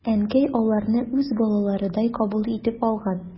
Әнкәй аларны үз балаларыдай кабул итеп алган.